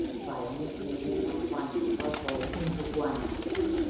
ไฝเม็ดนี้นับวันก็โตขึ้นทุกวัน